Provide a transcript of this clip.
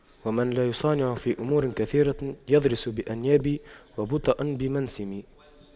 ومن لا يصانع في أمور كثيرة يضرس بأنياب ويوطأ بمنسم